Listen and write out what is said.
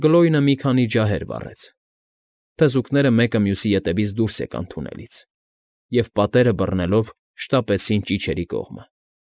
Գլոյնը մի քանի ջահեր վառեց, թզուկները մեկը մյուսի ետևից դուրս եկան թունելից և, պատերը բռնելով, շտապեցին ճիչերի կողմը։